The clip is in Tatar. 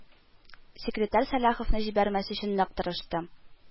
Секретарь Салаховны җибәрмәс өчен нык тырышты